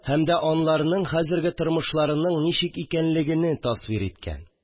Һәм дә аларның хәзерге тормышларының ничек икәнлегене тасвир иткән